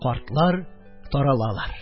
Картлар таралалар.